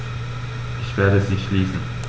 Ich werde sie schließen.